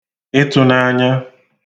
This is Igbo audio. ịtụ̄nanya